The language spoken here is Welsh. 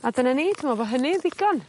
a dyna ni dwi me'wl bo' hynny yn ddigon.